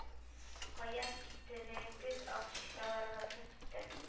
Кая китерегез акчаларыгызны китер